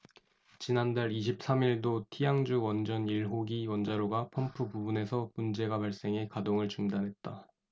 지난달 이십 삼 일도 티앙주 원전 일 호기 원자로가 펌프 부분에서 문제가 발생해 가동을 중단했다